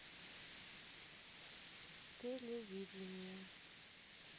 телевидение